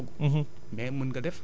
di ko di ko togg